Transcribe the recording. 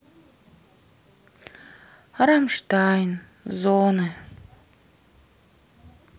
рамштайн зоны